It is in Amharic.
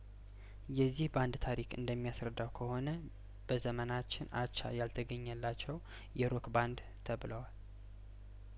የዚህ ባንድ ታሪክ እንደሚያስረዳው ከሆነ በዘመናችን አቻ ያልተገኘላቸው የሮክ ባንድ ተብለዋል